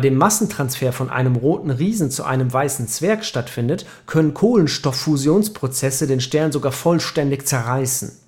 Massetransfer von einem Roten Riesen zu einem Weißen Zwerg stattfindet (Typ Ia), können Kohlenstofffusionsprozesse den Stern sogar vollständig zerreißen